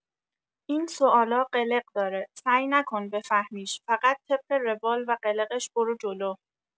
این سوالا قلق داره، سعی نکن بفهمیش، فقط طبق روال و قلقش برو جلو